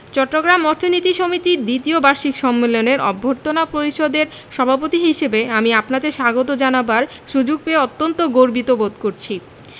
চট্টগ্রাম অর্থনীতি সমিতির দ্বিতীয় বার্ষিক সম্মেলনের অভ্যর্থনা পরিষদের সভাপতি হিসেবে আমি আপনাদের স্বাগত জানাবার সুযোগ পেয়ে অত্যন্ত গর্বিত বোধ করছি